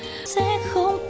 sẽ không